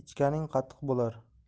ichganing qatiq bo'lar